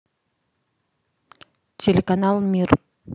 телеканал мир